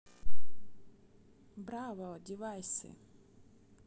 браво девайсы